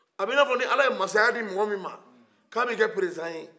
a b'inafɔ ni ala ye mansaya di mɔgɔ min ma k'a b'i kɛ peresidan ye